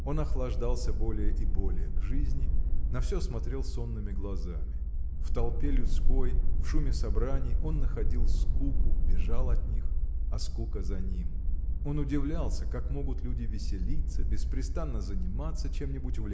Он охлаждался более и более к жизни, на все смотрел сонными глазами. В толпе людской в шуме собраний он находил скуку бежал от них а скука за ним. Он удивлялся как могут люди веселиться беспрестанно заниматься чем-нибудь